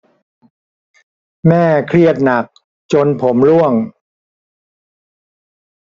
แม่เครียดหนักจนผมร่วง